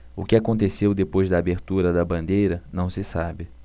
o que aconteceu depois da abertura da bandeira não se sabe